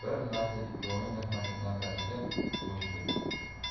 bir lahza ikkovining nafasi nafasiga qo'shilib ketdi